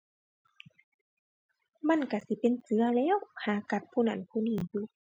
มันก็สิเป็นเสือแหล้ว หากัดผู้นั้นผู้นี้อยู่